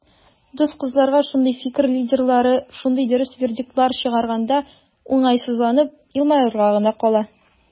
Дус кызларга шундый "фикер лидерлары" шундый дөрес вердиктлар чыгарганда, уңайсызланып елмаерга гына кала.